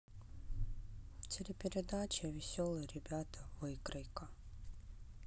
телепередача веселые ребята выкройка